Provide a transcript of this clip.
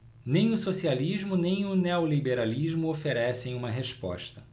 nem o socialismo nem o neoliberalismo oferecem uma resposta